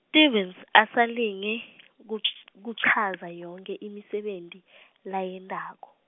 Stevens asalinge kuch-, kuchaza yonkhe imisebenti layentako.